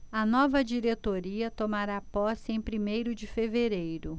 a nova diretoria tomará posse em primeiro de fevereiro